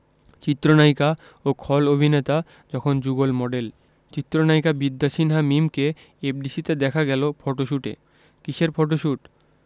চিত্রনায়িকা ও খল অভিনেতা যখন যুগল মডেল চিত্রনায়িকা বিদ্যা সিনহা মিমকে এফডিসিতে দেখা গেল ফটোশুটে কিসের ফটোশুট